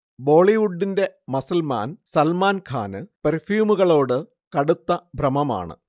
ബോളിവുഡിന്റെ muscleman സൽമാൻഖാന് പെർഫ്യൂമുകളോട് കടുത്ത ഭ്രമമാണ്